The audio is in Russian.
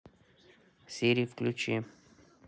сири включи